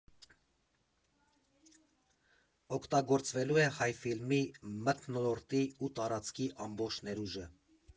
Օգտագործվելու է Հայֆիլմի մթնոլորտի ու տարածքի ամբողջ ներուժը։